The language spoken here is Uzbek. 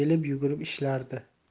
yelib yugurib ishlardi